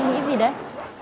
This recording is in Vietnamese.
nghĩ gì đấy